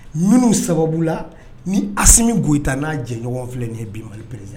Minnu sababu la ni Asimi Goita n'a jɛɲɔgɔnw filɛ nin ye bi Mali président ya